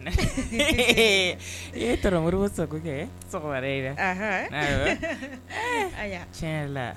- Ɛɛ tonton Modibo Sakɔ kɛ sɔgɔma da in na. Anhan! Awɔ! . Ee! Aya! Tiɲɛ yɛrɛ la.